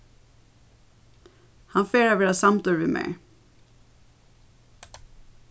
hann fer at vera samdur við mær